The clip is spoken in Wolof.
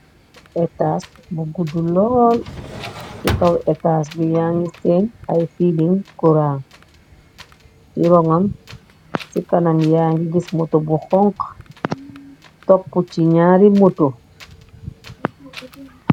Etas bu guddu lol, ci kaw etas bi yangi senn ay fili kura ci rogam. Ci kanam ya gës Moto bu honku, topu chi naari moto.